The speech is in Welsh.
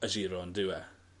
y Giro on'd yw e?